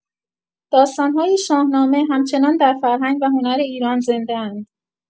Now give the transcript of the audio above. داستان‌های شاهنامه همچنان در فرهنگ و هنر ایران زنده‌اند.